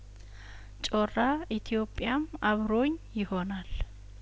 ጮራ ኢትዮጵያም አብሮኝ ይሆናል